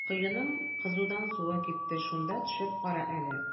Коеның кызудан суы кипте, шунда төшеп кара әле.